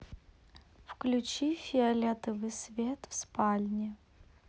включи фиолетовый цвет в спальне